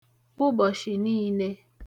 ụbọ̀shị̀ niīnē